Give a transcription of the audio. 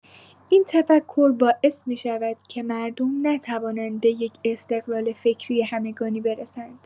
این تفکر باعث می‌شود که مردم نتوانند به یک استقلال فکری همگانی برسند.